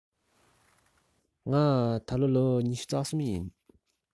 ང ད ལོ ལོ ཉི ཤུ རྩ གསུམ ཡིན